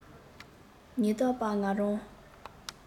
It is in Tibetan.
ཉིན རྟག པར ང རང